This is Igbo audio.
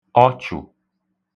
ọchụ̀